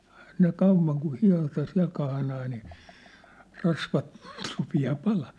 eihän ne kauan kun hieta siellä kahnaa niin rasvat rupeaa palamaan